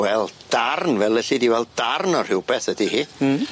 Wel darn fel elli di weld darn o rhywbeth ydi hi. Hmm.